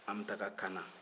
an bɛ taga kaana